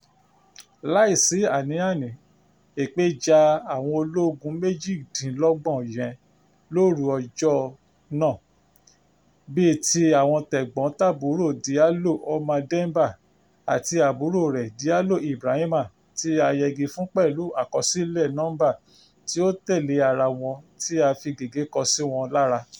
Láìsí àní-àní, èpè ja àwọn ológun 28 yẹn lóru ọjọ́ náà. Bí i ti àwọn tẹ̀gbọ́n-tàbúrò, Diallo Oumar Demba àti àbúròo rẹ̀ Diallo Ibrahima tí a yẹgi fún pẹ̀lú àkọsílẹ̀ nọ́ḿbà tí ó tẹ̀lé ara wọn tí a fi gègé kọ sí wọn lára.